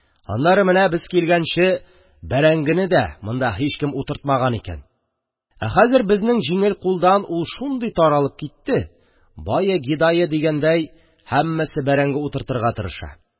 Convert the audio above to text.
Аннары менә, без килгәнче, бәрәңгене дә монда һичкем утыртмаган икән, ә хәзер, безнең җиңел кулдан, ул шундый таралып китте, бае-гидае дигәндәй, һәммәсе бәрәңге утыртырга тырыша.